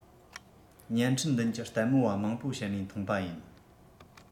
བརྙན འཕྲིན མདུན གྱི ལྟད མོ བ མང པོ བཤད ནས མཐོང པ ཡིན